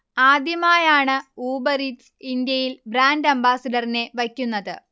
ആദ്യമായാണ് Uber Eats ഇന്ത്യയിൽ brand അംബാസഡറിനെ വയ്ക്കുന്നത്